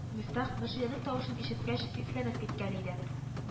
Мифтах, Мөршидәнең тавышын ишеткәч, сискәнеп кенә киткән иде